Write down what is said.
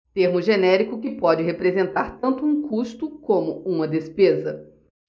termo genérico que pode representar tanto um custo como uma despesa